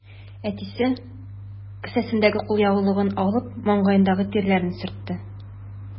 Әтисе, кесәсендәге кулъяулыгын алып, маңгаендагы тирләрен сөртте.